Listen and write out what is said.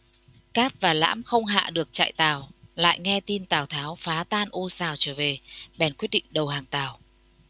cáp và lãm không hạ được trại tào lại nghe tin tào tháo phá tan ô sào trở về bèn quyết định đầu hàng tào